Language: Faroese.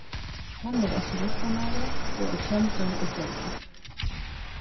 hann er eisini listamaður og er kendur í føroyum